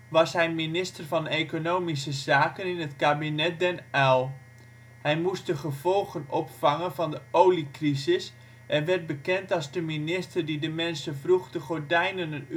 was hij minister van Economische Zaken in het Kabinet-Den Uyl. Hij moest de gevolgen opvangen van de oliecrisis en werd bekend als de minister die de mensen vroeg de gordijnen